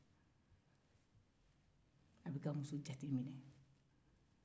a bɛka muso jate minɛ